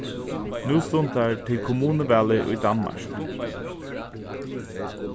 nú stundar til kommunuvalið í danmark